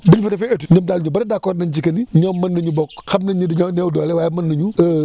biñ fa defee étude ñoom daal ñu bëri d' accord nañ ci que ni ñoom mën nañu bokk xam nañ ni dañoo néew doole waaye mën nañu